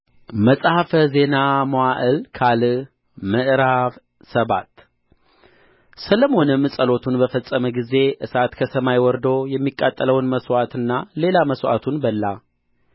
መጽሐፈ ዜና መዋዕል ካልዕ ምዕራፍ ሰባት ሰሎሞንም ጸሎቱን በፈጸመ ጊዜ እሳት ከሰማይ ወርዶ የሚቃጠለውን መሥዋዕትና ሌላ መሥዋዕቱን በላ